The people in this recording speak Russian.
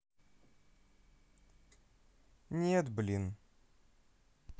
нет блин